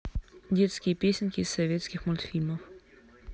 детские песенки из советских мультфильмов